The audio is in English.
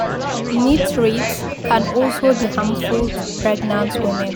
Nitrates can also be harmful to pregnant women.